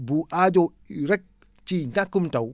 bu aajo rek ci ñàkkum taw